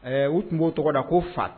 U tun b'o tɔgɔ da ko fa